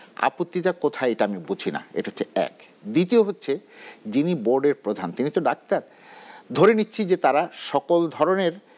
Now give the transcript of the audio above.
আপত্তিটা কোথায় আমি বুঝি না এটা হচ্ছে এক দ্বিতীয় হচ্ছে যিনি বোর্ডের প্রধান তিনি তো ডাক্তার ধরে নিচ্ছি যে তারা সকল ধরনের